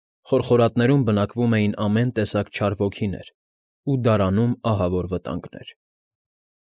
Խորխորատներում բնակվում էին ամեն տեսակ չար ոգիներ ու դարանում ահավոր վտանգներ։